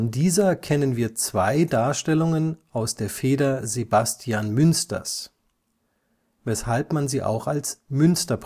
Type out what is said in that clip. dieser kennen wir zwei Darstellungen aus der Feder Sebastian Münsters, weshalb man sie auch als „ Münster-Brücke